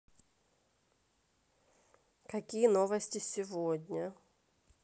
какие новости сегодня